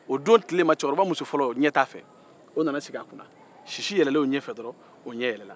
o don tilema cɛkɔrɔba musofɔlɔ ɲɛ t'a fɛ o nana sig'a kunna sisi yɛlɛla o ɲɛ fɛ dɔrɔn o ɲɛ yɛlɛla